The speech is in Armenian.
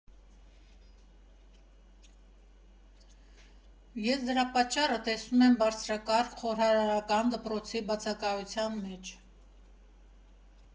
Ես դրա պատճառը տեսնում եմ բարձրակարգ խոհարարական դպրոցի բացակայության մեջ։